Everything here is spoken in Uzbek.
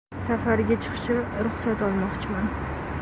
safarga chiqishga ruhsat olmoqchiman